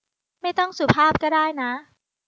ไม่ต้องสุภาพก็ได้นะ